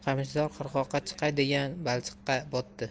qamishzor qirg'oqqa chiqay deganda balchiqqa botdi